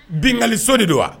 Binkaliso de don wa